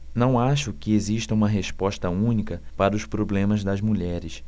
não acho que exista uma resposta única para os problemas das mulheres